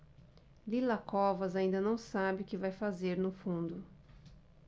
lila covas ainda não sabe o que vai fazer no fundo